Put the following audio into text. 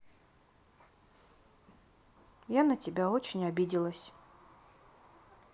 я на тебе очень обиделась